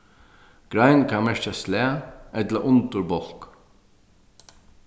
grein kann merkja slag ella undirbólkur